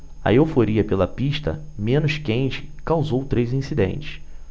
a euforia pela pista menos quente causou três incidentes